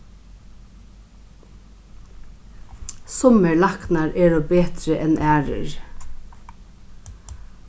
summir læknar eru betri enn aðrir